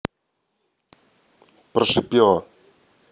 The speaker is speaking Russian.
прошипела